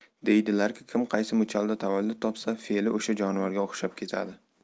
deydilarki kim qaysi muchalda tavallud topsa fe'li o'sha jonivorga o'xshab ketadi